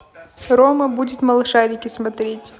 рома будет малышарики смотреть